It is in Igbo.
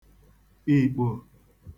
ìkpò